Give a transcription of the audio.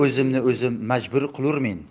o'zimni o'zim majbur qilurmen